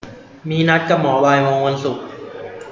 มีนัดกับหมอบ่ายโมงวันศุกร์